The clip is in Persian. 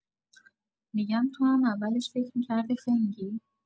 می‌گم تو هم اولش فکر می‌کردی خنگی؟